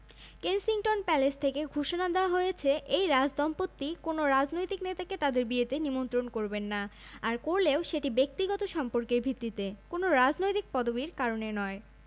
একই আলোকচিত্রী গত বছর ফ্রোগমোর হাউসে এই দুজনের বাগদানের আনুষ্ঠানিক ফটোশুট করেছিলেন বিয়েতে কনের পোশাক